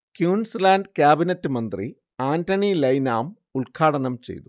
ക്യൂൻസ് land cabinet മന്ത്രി Anthony Lynham ഉത്ഘാടനം ചെയ്തു